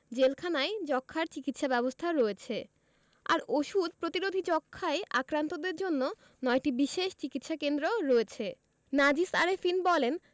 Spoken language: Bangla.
জেলখানায় যক্ষ্মার চিকিৎসা ব্যবস্থা রয়েছে আর ওষুধ প্রতিরোধী যক্ষ্মায় আক্রান্তদের জন্য ৯টি বিশেষ চিকিৎসাকেন্দ্র রয়েছে নাজিস আরেফিন বলেন